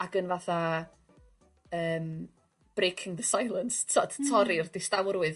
ac yn fatha yym breaking the silence t'od... Hmm. ...torri'r distawrwydd